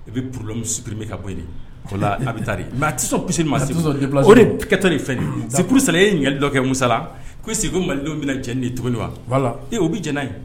I bɛ problème supprimer ka bɔ yen de. Ola a bɛ taa de. Mais a tɛ sɔn poussé li ma, a te sɔn déplacement ma, o de kɛ tɔ de filɛ nin ye. C'est pour celà i ye ɲininkali dɔ kɛ Musa la ko est cde que malidenw bɛna jɛn ni ye tuguni wa ? Voilà ee o bɛ jɛn n'a ye.